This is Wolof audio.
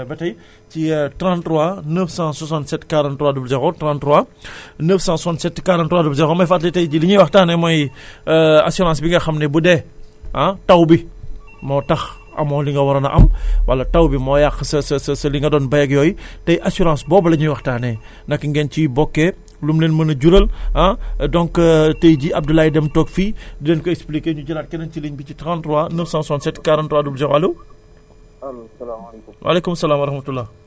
loolu am na solo kon nag yéen it ba tay ci 33 967 43 00 33 967 43 00 may fàttali tey jii li ñuy waxtaanee mooy assurance bi nga xam ne bu dee ah taw bi moo tax amoo li nga waroon a am wala taw bi moo yàq sa sa sa li nga doon bay ak yooyu tay assurance boobu la ñuy waxtaanee naka ngeen ciy bokkee lu mu leen mun a jural ah donc tay jii Abdoulaye Deme toog fii di leen ko expliqué ñu jëlaat keneen ci ligne bi ci 33 967 43 00 alloo